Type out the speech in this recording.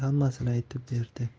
hammasini aytib berdi